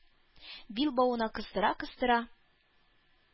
Билбавына кыстыра-кыстыра,